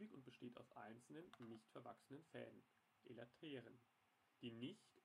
besteht aus einzelnen, nicht verwachsenen Fäden (Elateren), die nicht